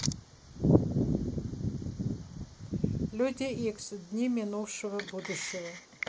люди икс дни минувшего будущего